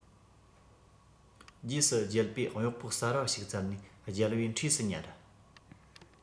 རྗེས སུ རྒྱལ པོས གཡོག པོ གསར པ ཞིག བཙལ ནས རྒྱལ པོའི འཁྲིས སུ ཉར